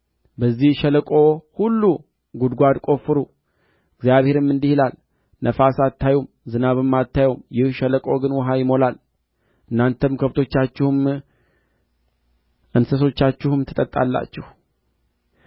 አንተን ባልተመለከትሁና ባላየሁ ነበር አሁንም ባለ በገና አምጡልኝ አለ ባለ በገናውም በደረደረ ጊዜ የእግዚአብሔር እጅ መጣችበት እንዲህም አለ እግዚአብሔር እንዲህ ይላል